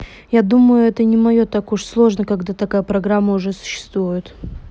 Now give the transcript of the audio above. я думаю это не так уж сложно когда такая программа уже существует